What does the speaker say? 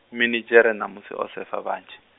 minidzhere mamusi o sefa vhanzhi.